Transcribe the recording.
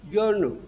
jɔn don